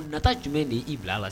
Nata jumɛn ni'i bila la